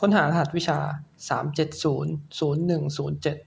ค้นหารหัสวิชาสามเจ็ดศูนย์ศูนย์หนึ่งศูนย์เจ็ด